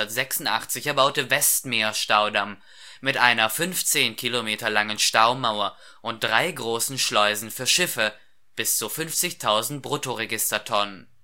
1986 erbaute Westmeerstaudamm mit einer 15 Kilometer langen Staumauer und drei großen Schleusen für Schiffe bis zu 50.000 Bruttoregistertonnen